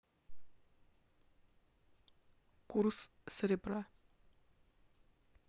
курс серебра